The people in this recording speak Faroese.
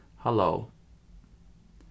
halló